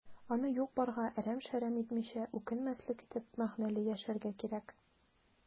Аны юк-барга әрәм-шәрәм итмичә, үкенмәслек итеп, мәгънәле яшәргә кирәк.